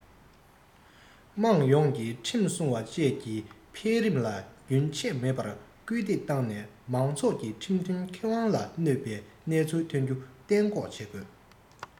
དམངས ཡོངས ཀྱིས ཁྲིམས སྲུང བ བཅས ཀྱི འཕེལ རིམ ལ རྒྱུན ཆད མེད པར སྐུལ འདེད བཏང ནས མང ཚོགས ཀྱི ཁྲིམས མཐུན ཁེ དབང ལ གནོད པའི གནས ཚུལ ཐོན རྒྱུ གཏན འགོག བྱེད དགོས